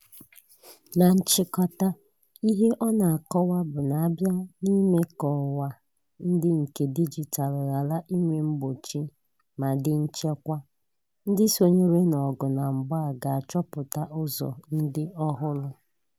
Na nchịkọta, ihe ọ na-akọwa bụ na a bịa n'ime ka ọwa ndị nke dijitalụ ghara inwe mgbochi ma dị nchekwa, ndị sonyere n'ọgụ na mgba a ga-achọpụtara ụzọ ndị ọhụrụ.